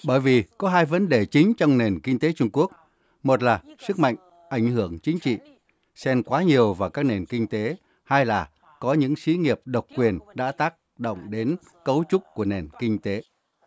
bởi vì có hai vấn đề chính trong nền kinh tế trung quốc một là sức mạnh ảnh hưởng chính trị xen quá nhiều và các nền kinh tế hai là có những xí nghiệp độc quyền đã tác động đến cấu trúc của nền kinh tế